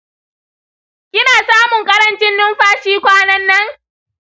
kina samun ƙarancin numfashi kwanan nan?